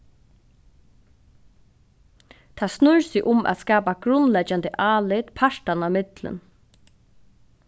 tað snýr seg um at skapa grundleggjandi álit partanna millum